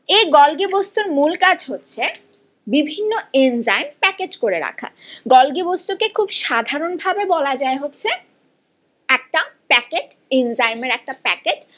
এ Golgi বস্তুর মূল কাজ হচ্ছে বিভিন্ন এনজাইম প্যাকেট করে রাখা গলগি বস্তু কে খুব সাধারন ভাবে বলা যায় হচ্ছে একটা প্যাকেট এনজাইমের একটা প্যাকেট